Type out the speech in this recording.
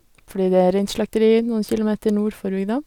Fordi det er reinslakteri noen kilometer nord for bygda.